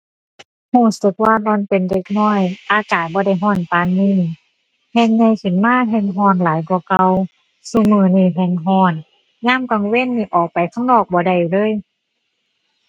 รู้สึกว่าตอนเป็นเด็กน้อยอากาศบ่ได้รู้ปานนี้ แฮ่งใหญ่ขึ้นมาแฮ่งรู้หลายกว่าเก่า ซุมื้อนี้แฮ่งรู้ ยามกลางรู้นี่ออกไปข้างนอกบ่ได้เลย